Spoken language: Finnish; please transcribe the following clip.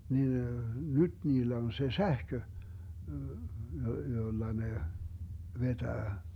niin nyt niillä on se sähkö jolla ne vetää